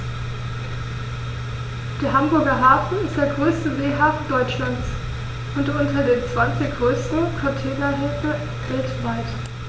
Der Hamburger Hafen ist der größte Seehafen Deutschlands und unter den zwanzig größten Containerhäfen weltweit.